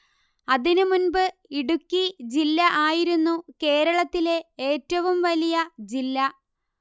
അതിനു മുൻപ് ഇടുക്കി ജില്ല ആയിരുന്നു കേരളത്തിലെ ഏറ്റവും വലിയ ജില്ല